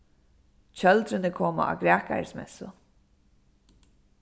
tjøldrini koma á grækarismessu